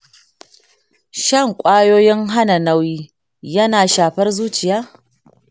shan kwayoyin hana nauyi yana shafar zuciya?